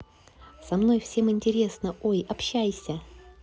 со мной всем интересно ой общайся